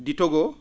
du Togo